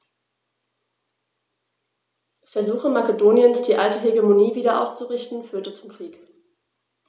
Versuche Makedoniens, die alte Hegemonie wieder aufzurichten, führten zum Krieg.